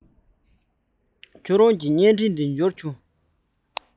ཁྱེད རང གི བརྙན འཕྲིན དེ འབྱོར བྱུང ངས